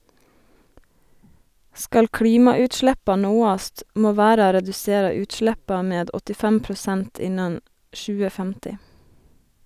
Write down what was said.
Skal klimautsleppa nåast, må verda redusera utsleppa med 85 prosent innan 2050.